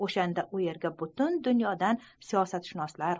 o'shanda u yerga butun dunyodan siyosatshunoslar